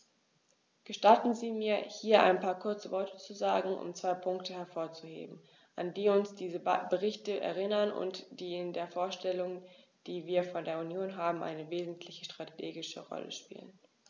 Gestatten Sie mir, hier ein paar kurze Worte zu sagen, um zwei Punkte hervorzuheben, an die uns diese Berichte erinnern und die in der Vorstellung, die wir von der Union haben, eine wesentliche strategische Rolle spielen.